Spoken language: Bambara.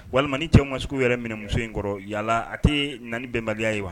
Walima ni cɛw ma se k'u yɛrɛ minɛ muso in kɔrɔ yala a tɛ na ni bɛnbaliya ye wa